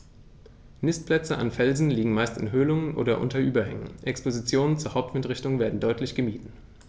Nistplätze an Felsen liegen meist in Höhlungen oder unter Überhängen, Expositionen zur Hauptwindrichtung werden deutlich gemieden.